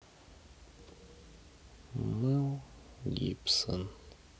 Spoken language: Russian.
мэл гибсон